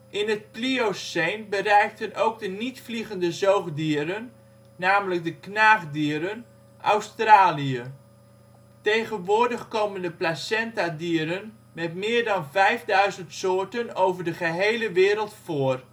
In het Plioceen bereikten ook de niet-vliegende zoogdieren (namelijk de knaagdieren) Australië. Tegenwoordig komen de placentadieren met meer dan 5000 soorten over de gehele wereld voor